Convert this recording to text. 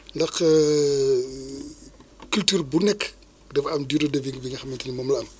ndax culture bu nekk dafa am durée de vie bi nga xamante ni moom la am